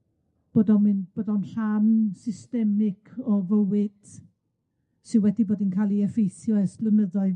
bod o'n mynd bod o'n rhan systemig o fywyd sy wedi bod yn ca'l 'i effeithio ers blynyddoedd.